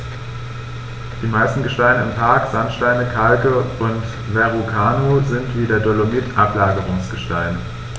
Die meisten Gesteine im Park – Sandsteine, Kalke und Verrucano – sind wie der Dolomit Ablagerungsgesteine.